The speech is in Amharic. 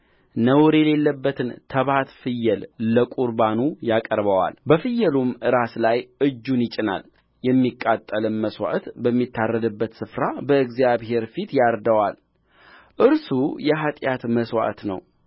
ነውር የሌለበትን ተባት ፍየል ለቍርባኑ ያቀርበዋልበፍየሉም ራስ ላይ እጁን ይጭናል የሚቃጠልም መሥዋዕት በሚታረድበት ስፍራ በእግዚአብሔር ፊት ያርደዋል እርሱ የኃጢአት መሥዋዕት ነው